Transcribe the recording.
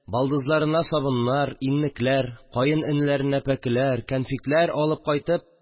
Балдызларына сабыннар, иннекләр, каенеләренә пәкеләр, конфетлар алып кайтып